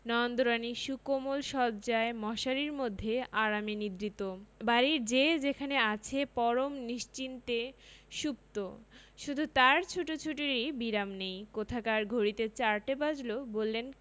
নন্দরানী সুকোমল শয্যায় মশারির মধ্যে আরামে নিদ্রিত বাড়ির যে সেখানে আছে পরম নিশ্চিন্তে সুপ্ত শুধু তাঁর ছুটোছুটিরই বিরাম নেই কোথাকার ঘড়িতে চারটে বাজলো বললেন